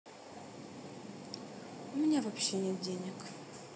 у меня вообще нет денег